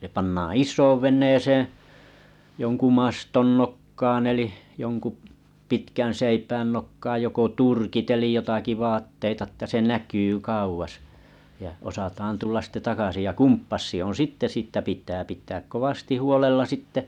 se pannaan isoon veneeseen jonkun maston nokkaan eli jonkun pitkän seipään nokkaan joko turkit eli jotakin vaatteita jotta se näkyi kauas ja osataan tulla sitten takaisin ja kompassi on sitten siitä pitää pitää kovasti huolella sitten